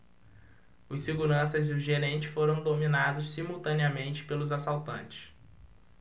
os seguranças e o gerente foram dominados simultaneamente pelos assaltantes